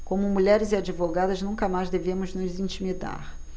como mulheres e advogadas nunca mais devemos nos intimidar